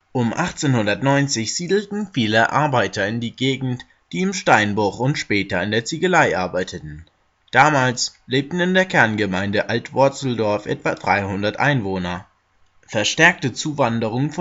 Um 1890 siedelten viele Arbeiter in der Gegend, die im Steinbruch und später in der Ziegelei arbeiteten. Damals lebten in der Kerngemeinde Altworzeldorf etwa 300 Einwohner. Verstärkte Zuwanderung